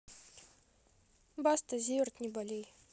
баста зиверт не болей